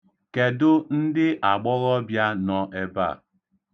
Kedụ ụmụ agbọghọbịa nọ ebe a?